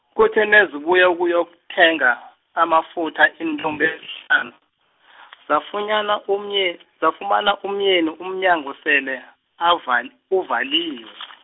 kuthe nazibuya ukuyokuthenga, amafutha, iintombi -anu, zafunyana umye- , zafumana umyeni umnyango sele, ava- uvaliwe.